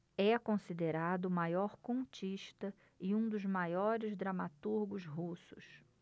é considerado o maior contista e um dos maiores dramaturgos russos